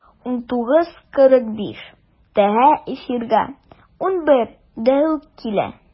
12.45-тәге эфирга 11-дә үк килә.